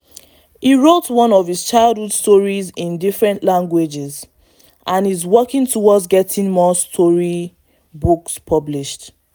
He wrote one of his childhood stories in 3 different languages, and he's working towards getting more storybooks published.